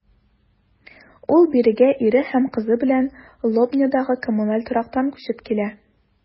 Ул бирегә ире һәм кызы белән Лобнядагы коммуналь торактан күчеп килә.